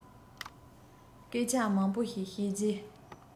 སྐད ཆ མང པོ ཞིག བཤད རྗེས